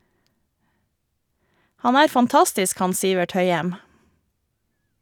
- Han er fantastisk, han Sivert Høyem.